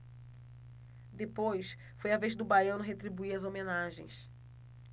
depois foi a vez do baiano retribuir as homenagens